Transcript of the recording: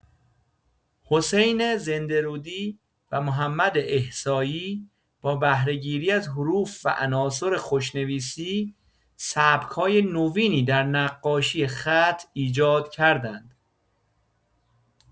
حسین زنده‌رودی و محمد احصایی با بهره‌گیری از حروف و عناصر خوشنویسی، سبک‌های نوینی در نقاشی‌خط ایجاد کردند.